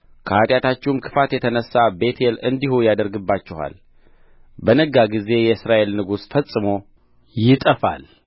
ከኃጢአታችሁም ክፋት የተነሣ ቤቴል እንዲሁ ያደርግባችኋል በነጋ ጊዜ የእስራኤል ንጉሥ ፈጽሞ ይጠፋል